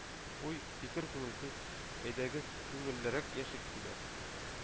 Уй, фикер – күңелсез, әйдәгез, күңеллерәк яшик, диләр.